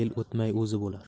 yil o'tmay o'zi bo'lar